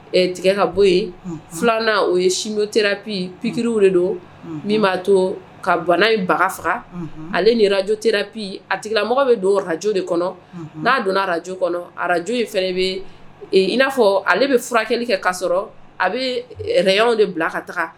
Tigɛ ka bɔ yen filanan o ye sio terapi ptiririw de don min b'a to ka bana in baga faga ale arajo tɛrapi a tigikilamɔgɔ bɛ don arajo de kɔnɔ n'a donna araj kɔnɔ araj fɛ bɛ n'afɔ ale bɛ furakɛli kɛ ka sɔrɔ a bɛ reyw de bila ka taga